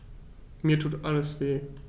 Mir tut alles weh.